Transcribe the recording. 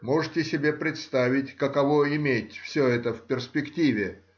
Можете себе представить, каково иметь все это в перспективе!